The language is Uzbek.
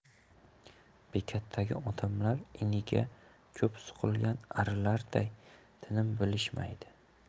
bekatdagi odamlar iniga cho'p suqilgan arilarday tinim bilishmaydi